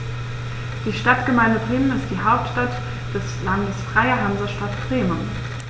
Die Stadtgemeinde Bremen ist die Hauptstadt des Landes Freie Hansestadt Bremen.